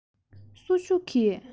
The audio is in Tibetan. སུ ཞིག གིས